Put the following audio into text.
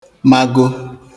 mago